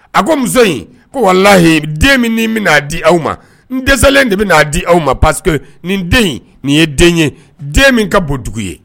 A ko muso in, ko walahi den min ni n bɛna di aw ma, n dɛsɛlen de bɛ n'a di aw ma parce que nin den in, nin ye den ye, den min ka bon ni dugu ye.